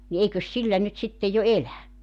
niin eikös sillä nyt sitten jo elä